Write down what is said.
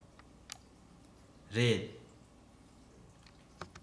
རེད